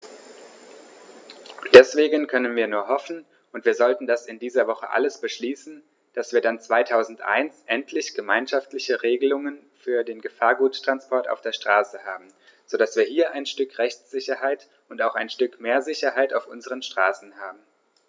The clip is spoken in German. Deswegen können wir nur hoffen - und wir sollten das in dieser Woche alles beschließen -, dass wir dann 2001 endlich gemeinschaftliche Regelungen für den Gefahrguttransport auf der Straße haben, so dass wir hier ein Stück Rechtssicherheit und auch ein Stück mehr Sicherheit auf unseren Straßen haben.